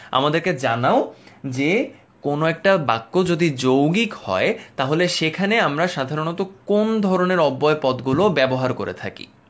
আমাদেরকে জানাও যেকোনো একটা বাক্য যদি যৌগিক হয় তাহলে আমরা সাধারণত কোন ধরনের অব্যয় পদ গুলো ব্যবহার করে থাকি